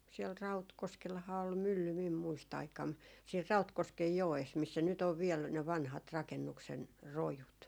siellä Rautkoskellahan oli mylly minun - muistiaikana siinä Rautkosken joessa missä nyt on vielä ne vanhat rakennuksen rojut